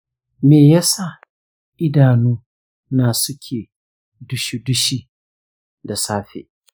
me yasa idanu na suke dushi-dushi da safe?